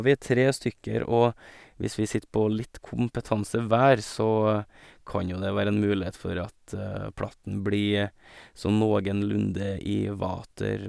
Vi er tre stykker, og hvis vi sitter på litt kompetanse hver, så kan jo det være en mulighet for at platten blir sånn nogenlunde i vater.